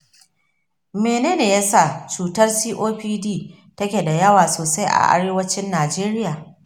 mene ne ya sa cutar copd take da yawa sosai a arewacin najeriya?